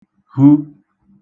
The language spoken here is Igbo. hu